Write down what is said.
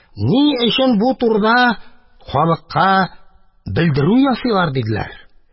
Ни өчен бу турыда халыкка белдерү ясыйлар? – диделәр.